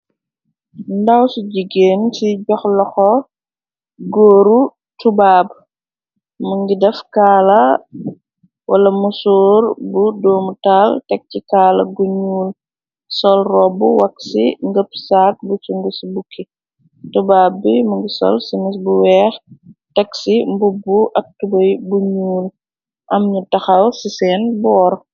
Ndaw su jigeen ci, jox laxo góoru tubaab mu ngi daf kaala, wala musoor bu doomu taal, tek ci kaala guñuul, sol robb wak ci ngëpp saak bu cung ci bukki, tubaab bi mu ngi sol simis bu weex, tek ci mbubb ak tubay bu ñuul, am ñu taxaw ci seen boor.